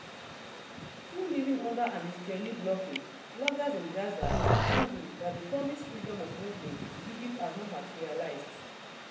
Still living under an Israeli blockade, bloggers in Gaza are angry that the promised freedom of movement to Egypt has not materialized.